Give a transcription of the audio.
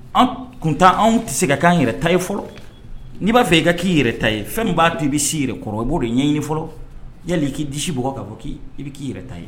Anw tun anw tɛ se ka'an yɛrɛ ta ye fɔlɔ n'i b'a fɛ i ka k'i yɛrɛ ta ye fɛn b'a to i bɛ si yɛrɛ kɔrɔ i b'o dɔn ɲɛ ye fɔlɔ ya i'i disi b bɔ ka bɔ k'i i bɛ k'i yɛrɛ ta ye